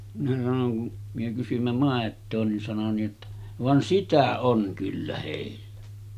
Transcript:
minä sanoin kun me kysyimme maitoa niin sanoi niin jotta vaan sitä on kyllä heillä